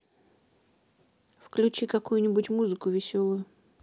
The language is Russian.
включи какую нибудь музыку веселую